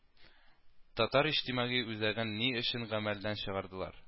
Татар иҗтимагый үзәген ни өчен гамәлдән чыгардылар